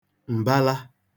m̀bala